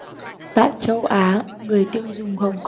tại châu á người tiêu dùng hồng